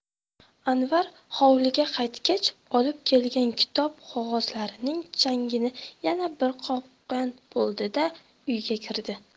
anvar hovliga qaytgach olib kelgan kitob qog'ozlarning changini yana bir qoqqan bo'ldi da uyga kirdi